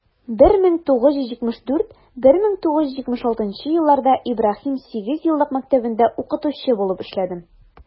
1974 - 1976 елларда ибраһим сигезьеллык мәктәбендә укытучы булып эшләдем.